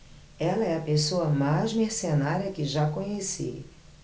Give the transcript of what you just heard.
ela é a pessoa mais mercenária que já conheci